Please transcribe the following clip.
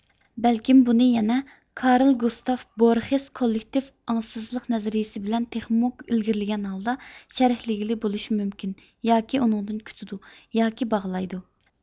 بەلكىم بۇنى يەنە كارل گۇستاف بورخېس كوللېكتىپ ئاڭسىزلىق نەزەرىيىسى بىلەن تېخىمۇ ئىلگىرىلىگەن ھالدا شەرھلىگىلى بولۇشى مۇمكىن ياكى ئۇنىڭدىن كۈتىدۇ ياكى باغلايدۇ